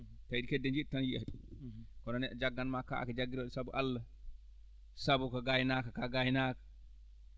kayɗe kadi de yeeɗi tan yiyata ɗum kono neɗɗo jagganmaa kaake jaggira ɗe sabu Allah sabu ko gaynaako ko a gaynaako